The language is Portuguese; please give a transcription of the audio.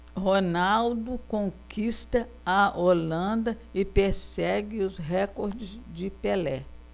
ronaldo conquista a holanda e persegue os recordes de pelé